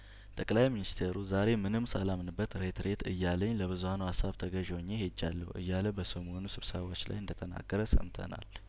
ጠቅላይ ሚኒስቴሩ ዛሬ ምንም ሳላምንበት ሬት ሬት እያለኝ ለብዙሀኑ ሀሳብ ተገዥ ሆኜ ሄጃለሁ እያለ በሰሞኑ ስብሰባዎች ላይ እንደተናገረ ሰምተናል